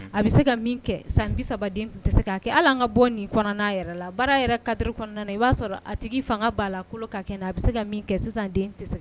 A bɛ se ka kɛ san bi saba den tɛ se k'a kɛ ala an ka bɔ nin kɔnɔna'a yɛrɛ la baara yɛrɛ katari kɔnɔna na i b'a sɔrɔ a tigi fanga' lakolo ka kɛ na a bɛ se ka kɛ sisan den tɛ